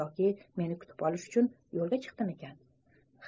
yoki meni kutib olish uchun yo'lga chiqdimikin